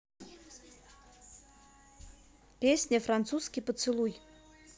песня французский поцелуй